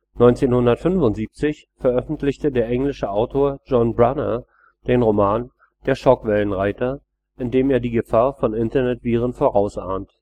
1975 veröffentlichte der englische Autor John Brunner den Roman Der Schockwellenreiter, in dem er die Gefahr von Internetviren vorausahnt